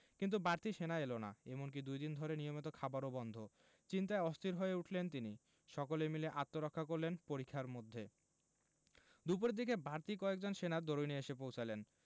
কিন্তু বাড়তি সেনা এলো না এমনকি দুই দিন ধরে নিয়মিত খাবারও বন্ধ চিন্তায় অস্থির হয়ে উঠলেন তিনি সকলে মিলে আত্মরক্ষা করলেন পরিখার মধ্যে দুপুরের দিকে বাড়তি কয়েকজন সেনা দরুইনে এসে পৌঁছালেন